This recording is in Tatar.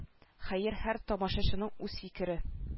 Хәер һәр тамашачының үз фикере